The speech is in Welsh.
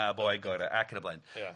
A'r boi gorau ac yn y blaen. Ia.